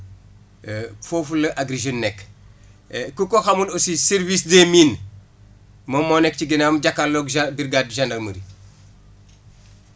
foofu la Agri Jeunes nekk ku ko xamul aussi service des mines moom moo nekk ci ginnaawam jàkkaarloog gen brigade gendarmerie